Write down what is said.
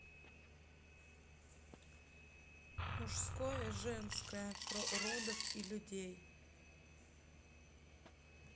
мужское женское про уродов и людей